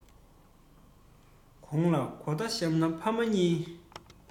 གོང ན གོ བརྡ གཤམ ན ཕ མ གཉིས